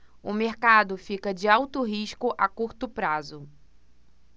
o mercado fica de alto risco a curto prazo